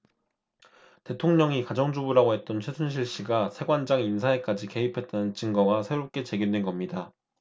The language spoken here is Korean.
대통령이 가정주부라고 했던 최순실씨가 세관장 인사에까지 개입했다는 증거가 새롭게 제기된겁니다